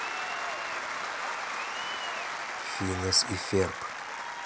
финес и ферб